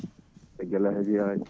Guélédio Yali